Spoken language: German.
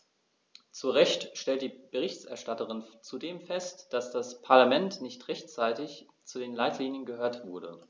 Zu Recht stellt die Berichterstatterin zudem fest, dass das Parlament nicht rechtzeitig zu den Leitlinien gehört wurde.